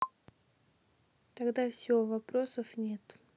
тогда все вопросов нет